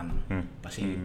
Parceque